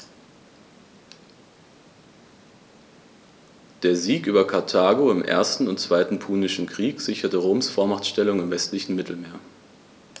Der Sieg über Karthago im 1. und 2. Punischen Krieg sicherte Roms Vormachtstellung im westlichen Mittelmeer.